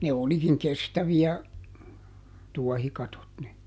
ne olikin kestäviä tuohikatot ne